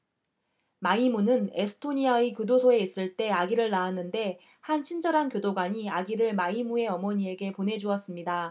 마이무는 에스토니아의 교도소에 있을 때 아기를 낳았는데 한 친절한 교도관이 아기를 마이무의 어머니에게 보내 주었습니다